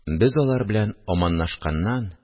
Без алар белән аманлашканнан